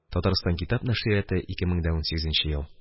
Татарстан китап нәшрияты, 2018 ел